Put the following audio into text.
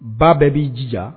Ba bɛɛ b'i jija